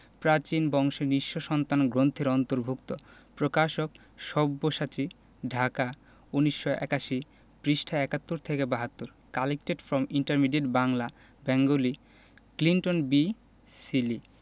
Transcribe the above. প্রাচীন বংশের নিঃস্ব সন্তান গ্রন্থের অন্তর্ভুক্ত প্রকাশকঃ সব্যসাচী ঢাকা ১৯৮১ পৃষ্ঠাঃ ৭১ থেকে ৭২ collected from intermediate Bangla Bengali Clinton B Seely